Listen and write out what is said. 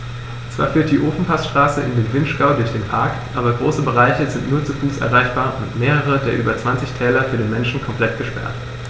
Zwar führt die Ofenpassstraße in den Vinschgau durch den Park, aber große Bereiche sind nur zu Fuß erreichbar und mehrere der über 20 Täler für den Menschen komplett gesperrt.